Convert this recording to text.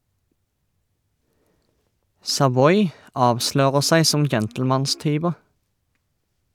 Savoy avslører seg som gentlemanstyver.